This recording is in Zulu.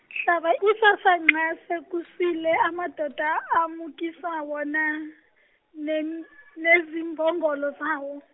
hlaba isasa nxa sekusile amadoda amukiswa wona nem- nezimbongolo zawo.